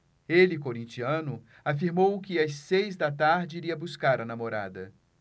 ele corintiano afirmou que às seis da tarde iria buscar a namorada